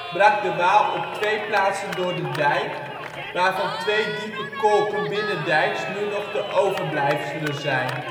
brak de Waal op twee plaatsen door de dijk, waarvan twee diepe kolken binnendijks nu nog de overblijfselen van zijn